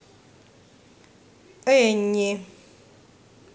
anny